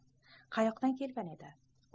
qayoqdan kelgan edi